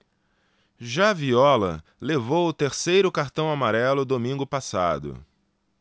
já viola levou o terceiro cartão amarelo domingo passado